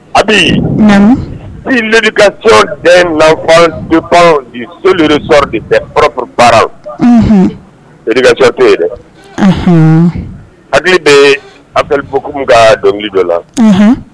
A bi ni kaso tɛ lafaba ni so sɔrɔ tɛorobarawkaso tɛ yen dɛ hali bɛ appkun ka dɔnkilijɔ la